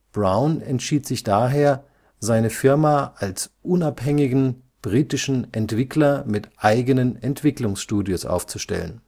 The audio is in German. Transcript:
Brown entschied sich daher, seine Firma als unabhängigen britischen Entwickler mit eigenen Entwicklungsstudios aufzustellen